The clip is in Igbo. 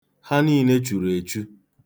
Ha niile churu echu.